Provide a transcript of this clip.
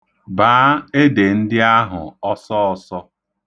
Baa ede ndị ahụ ọsọọsọ.